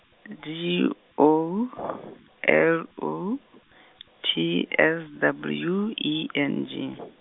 D O, L O, T S W E N G.